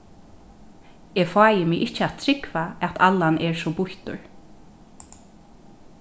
eg fái meg ikki at trúgva at allan er so býttur